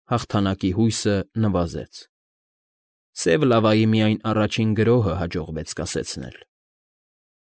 Հաղթանակի հույսը նվազեց։ Սև լավայի միայն առաջին գրոհը հաջողվեց կասեցնել։